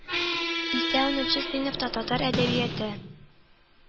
Исә унынчы сыйныфта татар әдәбияте